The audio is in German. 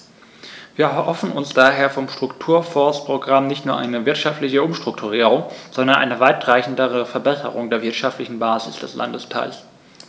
Wir erhoffen uns daher vom Strukturfondsprogramm nicht nur eine wirtschaftliche Umstrukturierung, sondern eine weitreichendere Verbesserung der wirtschaftlichen Basis des Landesteils.